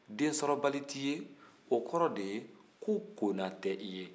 densɔrɔbali t'i ye o kɔrɔ de ye ko kona tɛ i ye